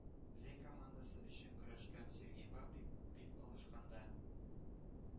Зәй командасы өчен көрәшкән Сергей Павлик бил алышканда,